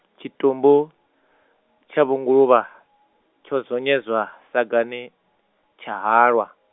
tshitumbu, tsha Vho Nguluvhe, tsha zonyedzwa sagani, tsha halwa.